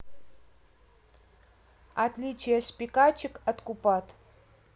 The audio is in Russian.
отличия шпикачек от купат